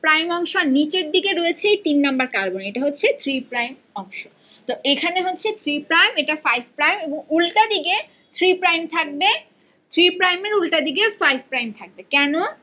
prime অংশ আর নিচের দিকে রয়েছে তিন কার্বন এটা হচ্ছে থ্রি প্রাইম অংশ তো এখানে হচ্ছে থ্রি প্রাইম এটা হচ্ছে 5 প্রাইম উল্টা দিকে থ্রি প্রাইম থাকবে ছি প্রাইম এর উল্টা দিকে ফাইভ প্রাইম থাকবে কেন